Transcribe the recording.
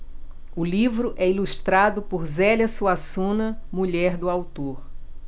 o livro é ilustrado por zélia suassuna mulher do autor